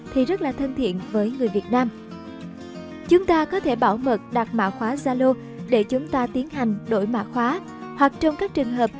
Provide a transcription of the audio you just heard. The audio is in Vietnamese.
thì rất là thân thiện với người việt nam chúng ta có thể bảo mật đặt mã khóa zalo để chúng ta tiến hành đổi mã khóa hoặc trong các trường hợp